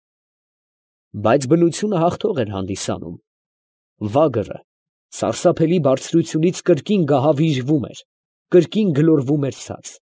Բայց բնությունը հաղթող էր հանդիսանում. վագրը սարսափելի բարձրությունից կրկին գահավիժվում էր, կրկին գլորվում էր ցած։